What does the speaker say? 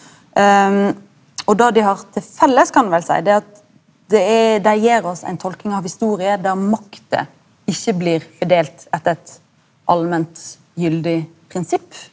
og det dei har til felles kan ein vel sei det er at det er dei gjev oss ei tolking av historie der makta ikkje blir fordelt etter eit allment gyldig prinsipp.